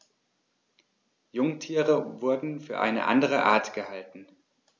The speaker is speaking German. Jungtiere wurden für eine andere Art gehalten.